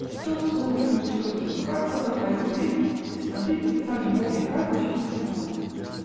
Потом, сунув ему что-то за рукав, он отворил дверь, и смотритель, сам не помня как, очутился на улице.